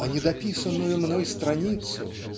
А недописанную мной страницу